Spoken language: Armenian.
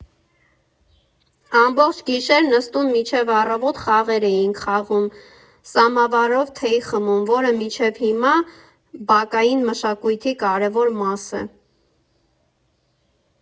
Ամբողջ գիշեր նստում, մինչև առավոտ խաղեր էինք խաղում, սամավարով թեյ խմում, որը մինչև հիմա բակային մշակույթի կարևոր մաս է։